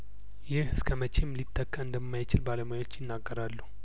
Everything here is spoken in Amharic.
ይህ እስከመቼም ሊተካ እንደማይችል ባለሙያዎች ይናገራሉ